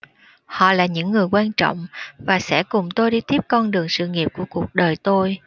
họ là những người quan trọng và sẽ cùng tôi đi tiếp con đường sự nghiệp của cuộc đời tôi